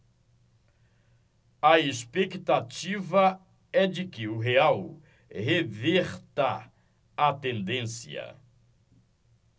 a expectativa é de que o real reverta a tendência